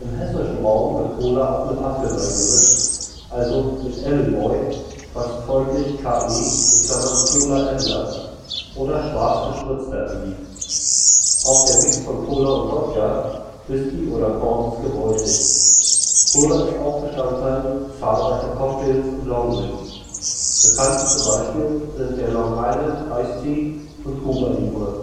hessischen Raum wird Cola auch mit Apfelwein gemischt, also mit Ebblwoi, was folglich KE (Kola Ebbler) oder Schwarz-Gespritzter ergibt. Auch der Mix von Cola und Wodka, Whiskey oder Korn ist gebräuchlich. Cola ist auch Bestandteil zahlreicher Cocktails und Longdrinks. Bekannteste Beispiele sind Long Island Iced Tea und Cuba Libre